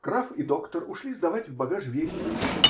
*** Граф и доктор ушли сдавать в багаж вещи.